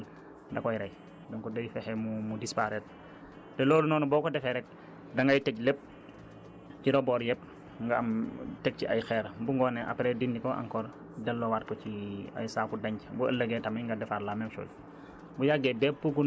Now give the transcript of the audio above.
donc lépp lu nekk rekk gunóor ci diggante bi li nga xamante ne moom nga bugg a owal da koy ray donc day fexe mu mu disparitre te loolu noonu boo ko defee rekk dangay tëj lépp ci rebords yépp nga am teg ci ay xeer bu ngoonee après dindi ko encore delloowaat ko ci ay saako denc